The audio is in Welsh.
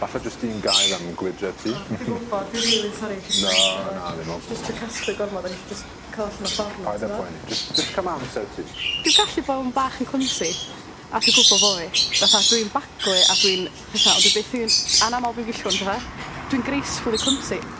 falle jyst un gair am gwydre ti. O fi gwbo dwi rili sori. Na na dim o gwbwl. Dwi jys trio casglu gormod o'n i jys ca'l allan o ffor mewn ffor. Paid â poeni jys jys cym amser ti. Dwi gallu bo' yn bach yn clymsi a dwi gwbo bo' fi fatha dwi'n baglu a dwi'n petha ond dwi byth yn anamal dwi'n gellwng 'de. Dwi'n gracefuly clymsi.